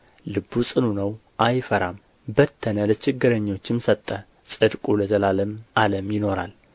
ልቡ ጽኑ ነው አይፈራም በተነ ለችግረኞችም ሰጠ ጽድቁ ለዘላለም ዓለም ይኖራል